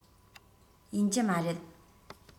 ཡིན གྱི མ རེད